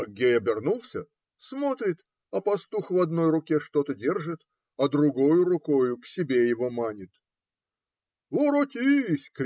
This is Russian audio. Аггей обернулся, смотрит, а пастух в одной руке что-то держит, а другою рукою к себе его манит. - Воротись!